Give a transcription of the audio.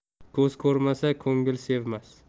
ko'z ko'rmasa ko'ngil sevmas